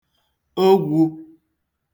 ogwū